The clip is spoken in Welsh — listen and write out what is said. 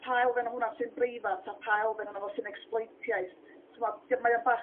pa elfen o hwnna sy'n breifat? A pa elfen ohono fo sy'n ecsbloatiaeth? Ch'mbo dio mae o bach